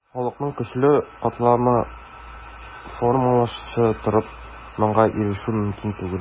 Халыкның көчле катламы формалашмыйча торып, моңа ирешү мөмкин түгел.